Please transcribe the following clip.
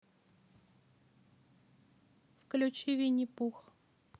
включи винни пух